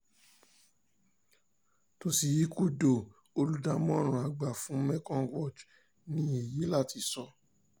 Toshiyuki Doi, olùdámọ̀ràn àgbà fún Mekong Watch, ní èyí láti sọ: